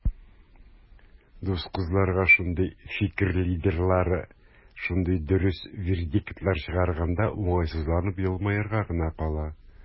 Дус кызларга шундый "фикер лидерлары" шундый дөрес вердиктлар чыгарганда, уңайсызланып елмаерга гына кала.